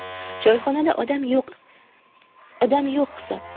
choyxonada odam yo'q hisob